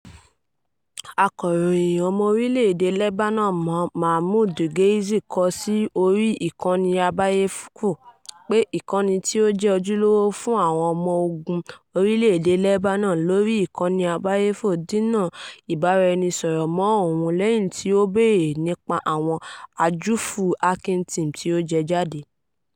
Akọ̀ròyìn ọmọ orílẹ̀ èdè Lebanon Mahmoud Ghazayel kọọ́ sí orí ìkànnì abẹ́yẹfò pé ìkànnì tí ó jẹ́ ojúlówó fún Àwọn Ọmọ Ogun orílè-èdè Lebanon lórí ìkànnì abẹ́yẹfò dínà ìbáraẹnisọ̀rọ̀ mọ́ òun lẹ́yìn tí òun bèèrè nípa àwọn àjúfù Hacking Team tí ó jẹ jáde.